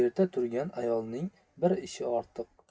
erta turgan ayolning bir ishi ortiq